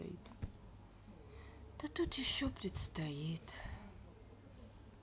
да тут еще предстоит